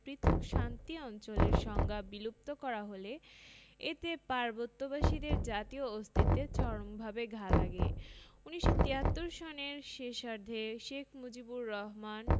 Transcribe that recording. পৃথক শান্তি অঞ্চলের সংজ্ঞা বিলুপ্ত করা হলে এতে পার্বত্যবাসীদের জাতীয় অস্তিত্বে চরমভাবে ঘা লাগে ১৯৭৩ সনের শেষার্ধে শেখ মুজিবুর রহমান